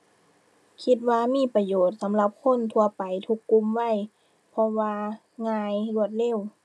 คิดว่ามีประโยชน์สำหรับคนทั่วไป ทุกกลุ่มวัย เพราะว่าง่าย รวดเร็ว